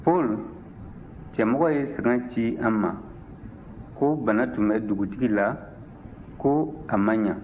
paul cɛmɔgɔ ye sanga ci an ma ko bana tun bɛ dugutigi la ko a ma ɲɛ